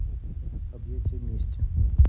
объятия мести